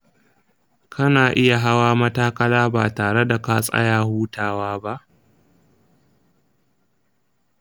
kana iya hawa matakala ba tare da ka tsaya hutawa ba?